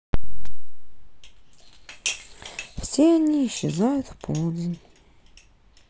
все они исчезают в полдень